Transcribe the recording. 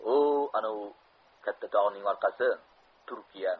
ho'v anavi katta tog'ning orqasi turkiya